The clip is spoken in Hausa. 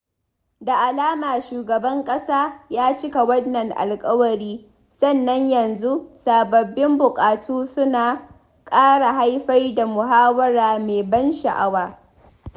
Da alama shugaban ƙasa ya cika wannan alƙawari sannan yanzu sababbin buƙatu suna ƙara haifar da muhawara mai ban sha'awa.